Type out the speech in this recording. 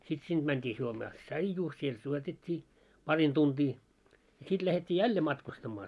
sitten sinne mentiin juomaan tsaijua siellä juotettiin parin tuntia ja sitten lähdettiin jälleen matkustamaan